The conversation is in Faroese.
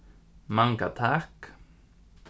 manga takk